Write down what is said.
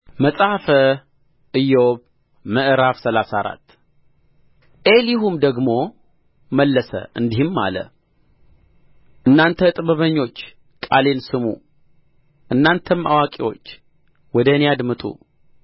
መጽሐፈ ኢዮብ ምዕራፍ ሰላሳ አራት ኤሊሁም ደግሞ መለሰ እንዲህም አለ እናንተ ጥበበኞች ቃሌን ስሙ እናንተም አዋቂዎች ወደ እኔ አድምጡ